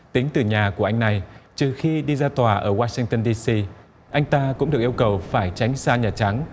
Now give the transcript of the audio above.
tính từ nhà của anh này trừ khi đi ra tòa ở goa sin tơn đi xi anh ta cũng được yêu cầu phải tránh xa nhà trắng